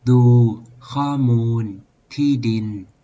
ดูข้อมูลที่ดิน